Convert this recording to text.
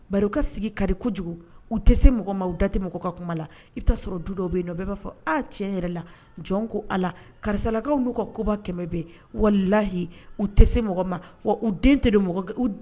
Bari u ka sigi kadi kojugu , u tɛ se mɔgɔ ma da tɛ mɔgɔ ka kuma na i bɛ taa sɔrɔ, du dɔw bɛ yen nɔ bɛɛ b'a fɔ cɛ yɛrɛ la jɔn ko allah karisalakaw n'u ka koba 100 bɛ wallahi u tɛ se mɔgɔ ma wa u den tɛ